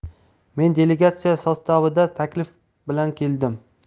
men delegatsiya sostavida taklif bilan keldim